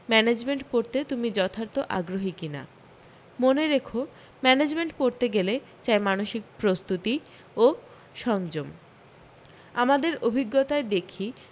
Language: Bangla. ম্যানেজমেন্ট পড়তে তুমি যথার্থ আগ্রহী কী না মনে রেখো ম্যানেজমেন্ট পড়তে গেলে চাই মানসিক প্রস্তুতি ও সংযম আমাদের অভিজ্ঞতায় দেখি